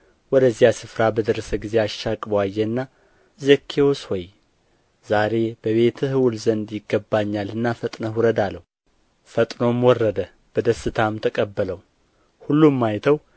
ወደዚያ ስፍራ በደረሰ ጊዜ አሻቅቦ አየና ዘኬዎስ ሆይ ዛሬ በቤትህ እውል ዘንድ ይገባኛልና ፈጥነህ ውረድ አለው ፈጥኖም ወረደ በደስታም ተቀበለው ሁሉም አይተው